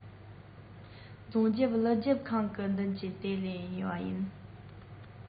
རྫོང རྒྱབ ཀླུ རྒྱབ ཁང གི མདུན དེ ནས ཉོས པ ཡིན